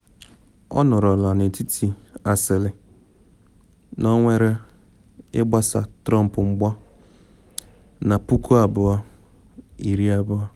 Ọ nọrọla n’etiti asịlị na ọ nwere ịgbasa Trump mgba na 2020.